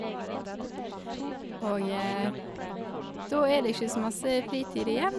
Og da er det ikke så masse fritid igjen.